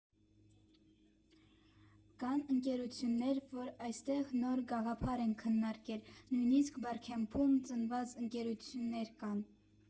Կան ընկերություններ, որ այստեղ նոր գաղափար են քննարկել, նույնիսկ Բարքեմփում ծնված ընկերություններ կան։